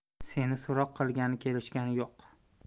seni so'roq qilgani kelishgani yo'q